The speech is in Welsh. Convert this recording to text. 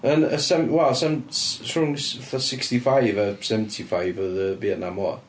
Yn y sef- wel sef- s- rhwng s- fatha sixty five a seventy five oedd y Vietnam War.